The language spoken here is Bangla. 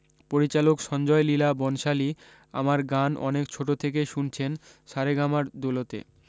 পরিচালক সঞ্জয় লীলা বনশালী আমার গান অনেক ছোট থেকে শুনছেন সারেগামার দুলতে